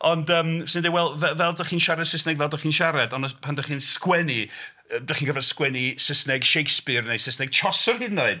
Ond yym 'swn ni'n deud "wel fel fel dach chi'n siarad Saesneg fel dach chi'n siarad. Ond nes... pan dach chi'n sgwennu yy dach chi'n gorfod sgwennu Saesneg Shakespeare neu Saesneg Chaucer hyd yn oed".